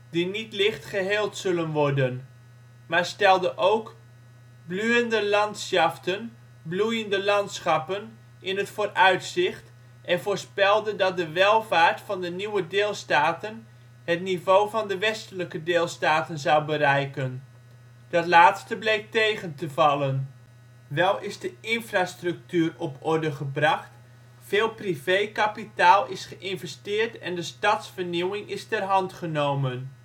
die niet licht geheeld zullen worden ', maar stelde ook blühende Landschaften (bloeiende landschappen) in het vooruitzicht, en voorspelde dat de welvaart van de nieuwe deelstaten het niveau van de Westelijke deelstaten zou bereiken. Dat laatste bleek tegen te vallen. Wel is de infrastructuur op orde gebracht, veel privékapitaal is geïnvesteerd en de stadsvernieuwing is ter hand genomen